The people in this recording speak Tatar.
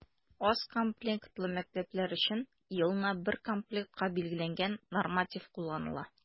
Аз комплектлы мәктәпләр өчен елына бер комплектка билгеләнгән норматив кулланыла.